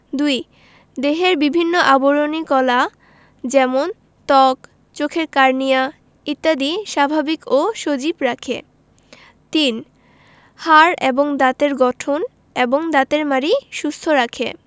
২ দেহের বিভিন্ন আবরণী কলা যেমন ত্বক চোখের কর্নিয়া ইত্যাদিকে স্বাভাবিক ও সজীব রাখে ৩ হাড় এবং দাঁতের গঠন এবং দাঁতের মাড়ি সুস্থ রাখে